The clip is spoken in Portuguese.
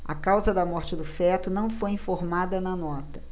a causa da morte do feto não foi informada na nota